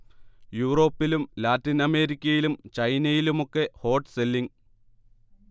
യൂറോപ്പിലും ലാറ്റിൻ അമേരിക്കയിലും ചൈനയിലുമൊക്കെ ഹോട്ട് സെല്ലിങ്